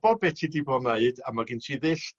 gwbod be' ti 'di bo' neud a ma' gen ti ddull